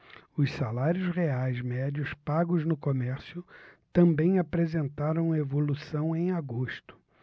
os salários reais médios pagos no comércio também apresentaram evolução em agosto